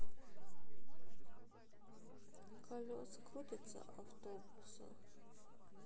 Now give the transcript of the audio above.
колеса крутятся автобуса